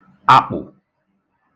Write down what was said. akpụ̀